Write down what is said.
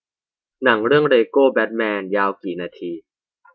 หนังเรื่องเลโกแบ็ทแมนยาวกี่นาที